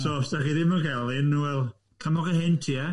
So os dach chi ddim yn cael un, wel, cymhoch y hen ti, ia?